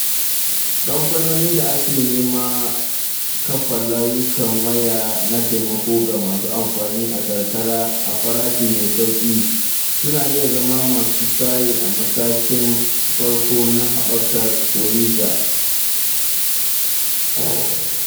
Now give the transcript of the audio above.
Kamfanoni da ke neman kafa layukan waya na taimako ga masu amfani a karkara a farashi mai sauƙi suna iya zama masu saye a matakin farko na haɓakar Uliza.